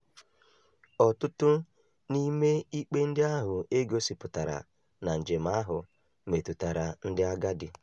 Ọtụtụ n'ime ikpe ndị ahụ e gosipụtara na njem ahụ metụtara ndị agadi.